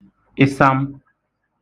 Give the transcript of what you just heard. ịsam